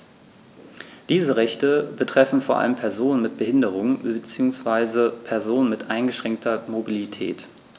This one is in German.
Diese Rechte betreffen vor allem Personen mit Behinderung beziehungsweise Personen mit eingeschränkter Mobilität.